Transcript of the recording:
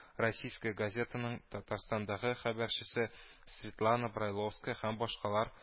“российская газета” ның татарстандагы хәбәрчесе светлана брайловская һәм башкалар